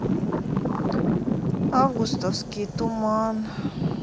августовский туман